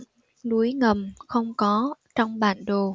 núi ngầm không có trong bản đồ